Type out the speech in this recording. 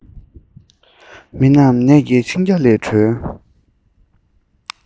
མི རྣམས ནད ཀྱི འཆིང རྒྱ ལས འགྲོལ